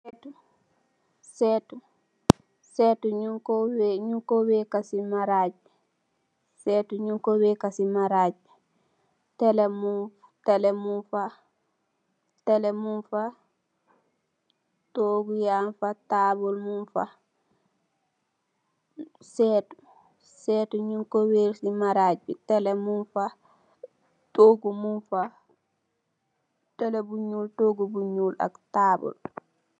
Setu nyung ku wekeh si maraj bi teleh mungfa togu mungfa am couleur bu nyul ak aye tabal